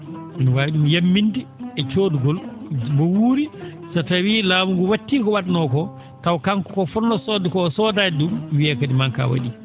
ina waawi ?um yamminde e coodgol mo wuuri so tawii laamu ngu wa?tii ko wa?noo ko taw kanko ko fotnoo soodde koo o soodaani ?um wiiye kadi manque a wa?ii